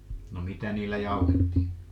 no mitä niillä jauhettiin